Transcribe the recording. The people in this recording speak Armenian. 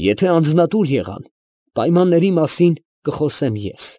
Եթե անձնատուր եղան պայմանների մասին կխոսեմ ես։